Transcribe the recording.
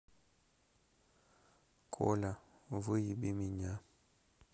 коля выеби меня